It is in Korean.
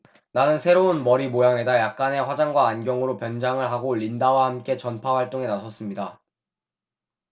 나는 새로운 머리 모양에다 약간의 화장과 안경으로 변장을 하고 린다와 함께 전파 활동에 나섰습니다